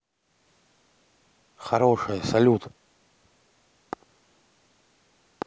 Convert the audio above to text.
хорошая салют